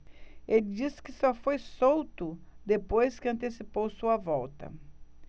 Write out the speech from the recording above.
ele disse que só foi solto depois que antecipou sua volta